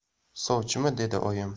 sovchimi dedi oyim